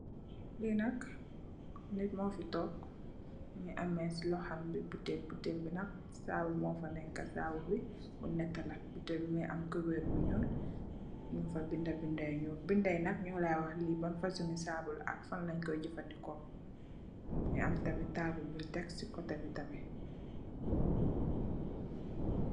Li nak nit mo fii tóóg mugii ameh ci loxom bi butèèl, butèèl bi nak sabu mo fo nekka, sabu bi bu netteh la, teh muggi ameh kupeer gu ñuul , ñing fa bindé bindé yu ñuul. Bindé yi nak ñu la wax li ban fasungi sabu la ak lan lañ koy jafandiko.